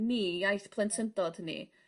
ni iaith plentyndod ni.